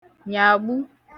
nyàgbu